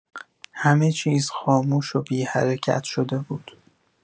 همه چیز خاموش و بی‌حرکت شده بود.